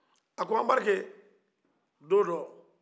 a ko anbarike don dɔ